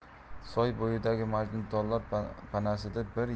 soy bo'yidagi majnuntollar panasida bir